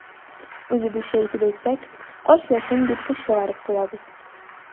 Үзебезчә итеп әйтсәк, каш ясыйм дип, күз чыгарып куябыз.